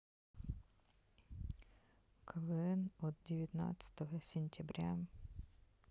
квн от девятнадцатого сентября